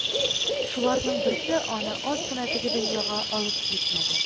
Шуларның берсе аны аз гына теге дөньяга алып китмәде